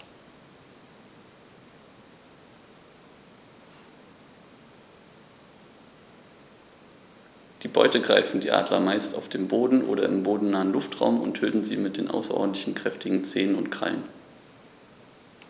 Die Beute greifen die Adler meist auf dem Boden oder im bodennahen Luftraum und töten sie mit den außerordentlich kräftigen Zehen und Krallen.